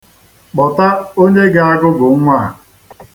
Kpọta onye ga-agụgụ nnwa a.